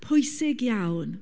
Pwysig iawn.